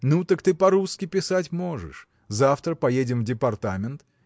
Ну, так ты по-русски писать можешь, – завтра поедем в департамент